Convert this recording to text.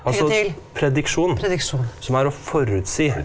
altså prediksjon som er å forutsi.